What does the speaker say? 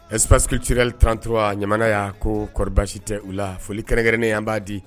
Spskitirilirantura ɲamana y'a kobasi tɛ u la foli kɛrɛnkɛrɛnnen yan b'a di